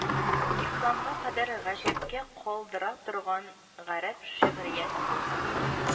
Исламга кадәр гаҗәпкә калдыра торган гарәп шигърияте булган